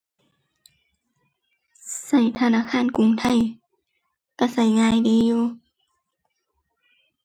ใช้ธนาคารกรุงไทย ใช้ใช้ง่ายดีอยู่